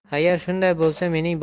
agar shunday bo'lsa mening